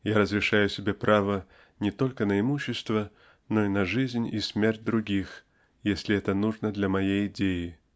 я разрешаю себе право не только на имущество но и на жизнь и смерть других если это нужно для моей идеи.